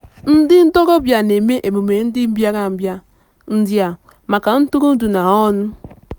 Ndị ntorobịa na-eme emume ndị mbịarambịa ndị a maka ntụrụndụ na ọṅụ.